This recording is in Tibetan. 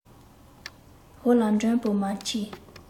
ཞོལ ལ མགྲོན པོ མ མཆིས